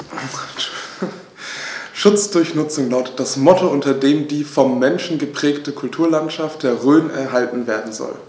„Schutz durch Nutzung“ lautet das Motto, unter dem die vom Menschen geprägte Kulturlandschaft der Rhön erhalten werden soll.